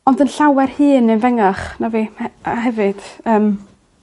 Ond yn llawer hŷn ne fengach na fi he- yy hefyd. Yym.